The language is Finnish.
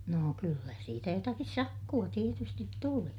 no kyllä siitä jotakin sakkoa tietysti tuli